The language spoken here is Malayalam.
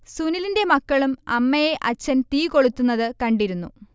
സുനിലിന്റെ മക്കളും അമ്മയെ അഛ്ഛൻ തീ കൊളുത്തുന്നത് കണ്ടിരുന്നു